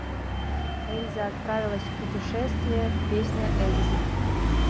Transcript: эльза отправилась в путешествие песня эльзы